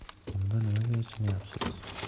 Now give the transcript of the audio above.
unda nimaga achinyapsiz